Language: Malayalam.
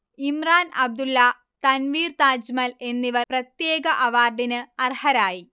ഇമ്രാൻ അബ്ദുല്ല, തൻവീർ താജ്മൽ എന്നിവർ പ്രത്യേക അവാർഡിന് അർഹരായി